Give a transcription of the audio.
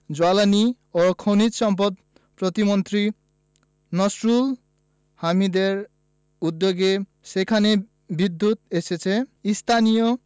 জ্বালানি ও খনিজ সম্পদ প্রতিমন্ত্রী নসরুল হামিদদের উদ্যোগে সেখানে বিদ্যুৎ এসেছে স্থানীয়